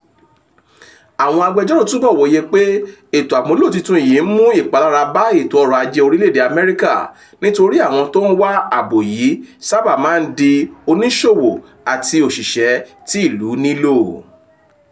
Àwọn agbẹjọ́rò túbọ̀ wòye pé ètò àmúlò titun yìí ń mú ìpalára bá ètò ọrọ̀ ajé orílẹ̀èdè US nítorí àwọn tó ń wá ààbò yìí sábà máa ń di oníṣòwò àti òṣìṣẹ́ tí ìlú nílò."